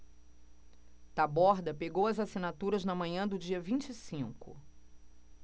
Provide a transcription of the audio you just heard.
taborda pegou as assinaturas na manhã do dia vinte e cinco